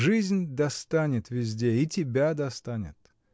Жизнь достанет везде, и тебя достанет!